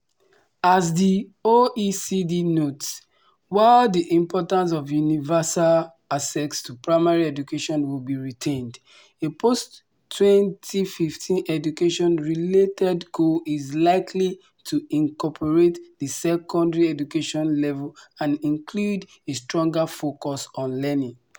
As the OECD notes, while the importance of universal access to primary education would be retained, a post 2015 education-related goal is likely to incorporate the secondary education level and include a stronger focus on learning.